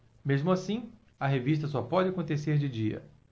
mesmo assim a revista só pode acontecer de dia